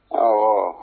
Aawɔɔ!